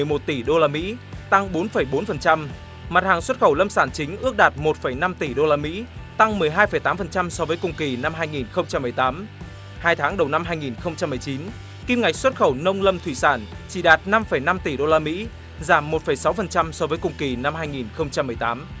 một tỷ đô la mỹ tăng bốn phẩy bốn phần trăm mặt hàng xuất khẩu lâm sản chính ước đạt một phẩy năm tỷ đô la mỹ tăng mười hai phẩy tám phần trăm so với cùng kỳ năm hai nghìn không trăm mười tám hai tháng đầu năm hai nghìn không trăm mười chín kim ngạch xuất khẩu nông lâm thủy sản chỉ đạt năm phẩy năm tỷ đô la mỹ giảm một phẩy sáu phần trăm so với cùng kỳ năm hai nghìn không trăm mười tám